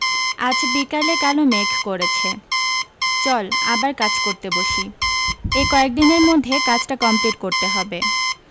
আজ বিকালে কালো মেঘ করেছে চল আবার কাজ করতে বসি এই কয়েক দিনের মধ্যে কাজটা কমপ্লিট করতে হবে